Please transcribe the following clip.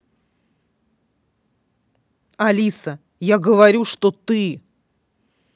алиса я говорю что ты